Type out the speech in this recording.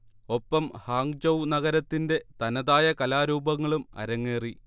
ഒപ്പം ഹ്വാങ്ചൗ നഗരത്തിന്റെ തനതായ കലാരൂപങ്ങളും അരങ്ങേറി